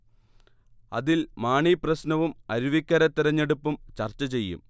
അതിൽ മാണി പ്രശ്നവും അരുവിക്കര തെരഞ്ഞെടുപ്പും ചർച്ചചെയ്യും